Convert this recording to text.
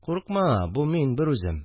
Курыкма, бу мин, берүзем